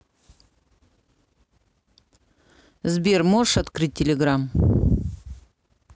сбер можешь открыть телеграмм